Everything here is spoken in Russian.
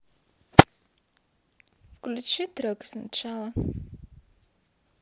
включи трек сначала